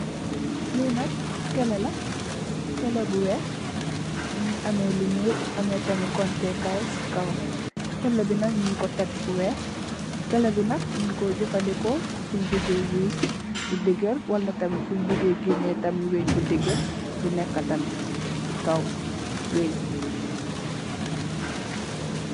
Lee nak kele la kele bu weex muge ameh lu nuul ameh tamin konteh kaye se kawam kele be nak nugku tek fu weex kele be nak nugku jefaneku sun buge wees lu degarr wala tamin sun buge gene tamin weah bu degarr bu neka tamin se kaw weah.